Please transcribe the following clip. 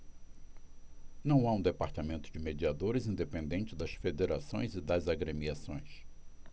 não há um departamento de mediadores independente das federações e das agremiações